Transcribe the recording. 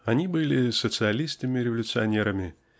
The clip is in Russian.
Они были социалистами-революционерами